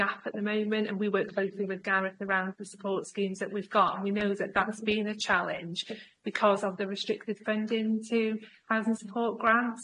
gap at the moment, and we work closely with Gareth around the support schemes that we've got and we know that that's been a challenge because of the restricted funding to housing support grant.